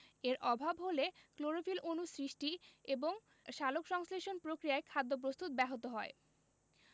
এর অভাব হলে ক্লোরোফিল অণু সৃষ্টি এবং সালোকসংশ্লেষণ প্রক্রিয়ায় খাদ্য প্রস্তুত ব্যাহত হয়